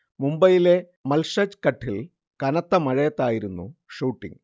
മുംബൈയിലെ മാൽഷജ് ഘട്ടിൽ കനത്ത മഴത്തായിരുന്നു ഷൂട്ടിങ്ങ്